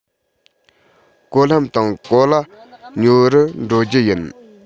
གོ ལྷམ དང གོ ལྭ ཉོ རུ འགྲོ རྒྱུ ཡིན